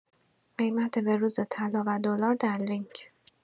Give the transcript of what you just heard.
قیمت بروز طلا و دلار در لینک